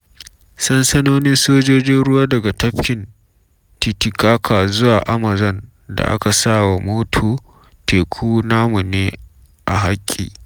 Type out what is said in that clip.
Sansanonin sojojin ruwa daga Tabkin Titicaca zuwa Amazon da aka sa wa motto: “Teku namu ne a haƙƙi.